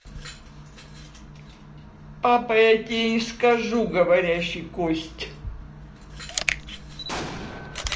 папа я тебе не скажу говорящий кость